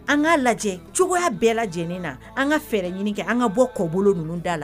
An ka lajɛ cogoya bɛɛ lajɛlen na an ka fɛɛrɛ ɲini kɛ an ka bɔ kɔ bolo ninnu dala la